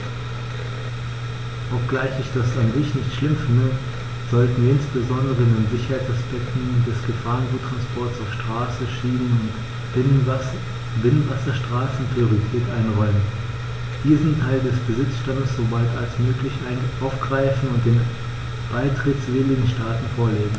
Obgleich ich das an sich nicht schlimm finde, sollten wir insbesondere den Sicherheitsaspekten des Gefahrguttransports auf Straße, Schiene und Binnenwasserstraßen Priorität einräumen, diesen Teil des Besitzstands so bald als möglich aufgreifen und den beitrittswilligen Staaten vorlegen.